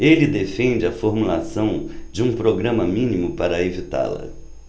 ele defende a formulação de um programa mínimo para evitá-la